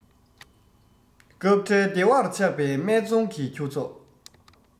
སྐབས འཕྲལ བདེ བར ཆགས པའི སྨད འཚོང གི ཁྱུ ཚོགས